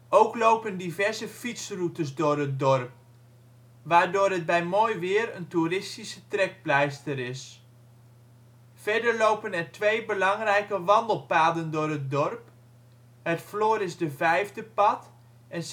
Ook lopen diverse fietsroutes door het dorp, waardoor het bij mooi weer een toeristische trekpleister is. Verder lopen er twee belangrijke wandelpaden door het dorp: het Floris de Vijfde-pad en